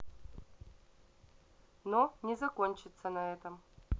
но не закончится на этом